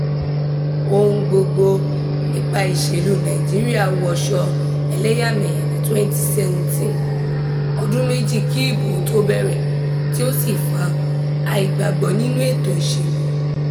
Ohun gbogbo nípa ìṣèlú Nàìjíríà wọṣọ ẹlẹ́yàmẹ́lẹ́yá ní 2017, ọdún méjì kí ìbò ó tó bẹ̀rẹ̀, tí ó sì fa àìgbàgbọ́ nínú ètò ìṣèlú.